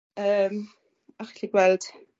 Yym allwch chi gweld